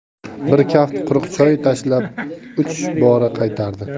bir kaft quruq choy tashlab uch bora qaytardi